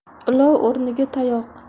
ulov o'rniga tayoq